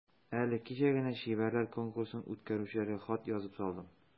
Әле кичә генә чибәрләр конкурсын үткәрүчеләргә хат язып салдым.